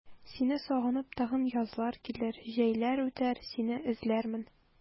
Сине сагынып тагын язлар килер, җәйләр үтәр, сине эзләрмен.